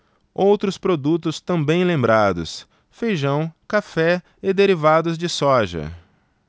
outros produtos também lembrados feijão café e derivados de soja